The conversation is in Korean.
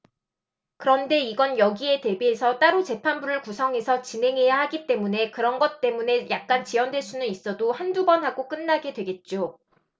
그런데 이건 여기에 대비해서 따로 재판부를 구성해서 진행해야 하기 때문에 그런 것 때문에 약간 지연될 수는 있어도 한 두 번 하고 끝나게 되겠죠